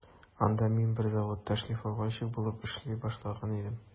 Анда мин бер заводта шлифовальщик булып эшли башлаган идем.